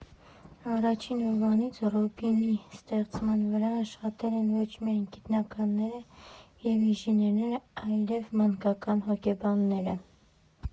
Առաջին օրվանից Ռոբինի ստեղծման վրա աշխատել են ոչ միայն գիտնականներ և ինժեներներ, այլև մանկական հոգեբաններ։